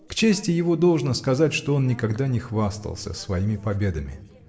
К чести его должно сказать, что он никогда не хвастался своими победами.